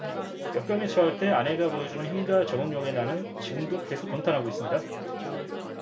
역경에 처할 때 아내가 보여 주는 힘과 적응력에 나는 지금도 계속 경탄하고 있습니다